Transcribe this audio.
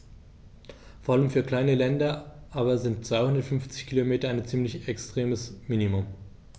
Vor allem für kleine Länder aber sind 250 Kilometer ein ziemlich extremes Minimum.